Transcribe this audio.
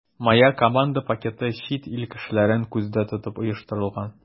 “моя команда” пакеты чит ил кешеләрен күздә тотып оештырылган.